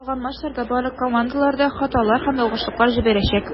Калган матчларда барлык командалар да хаталар һәм ялгышлыклар җибәрәчәк.